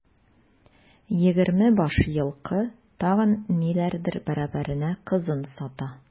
Егерме баш елкы, тагын ниләрдер бәрабәренә кызын сата.